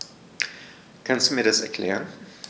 Kannst du mir das erklären?